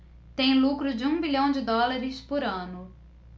tem lucro de um bilhão de dólares por ano